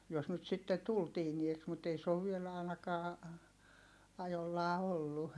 jos nyt sitten tuli tiineeksi mutta ei se ole vielä ainakaan ajollaan ollut